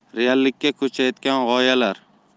reallikka ko'chayotgan g'oyalar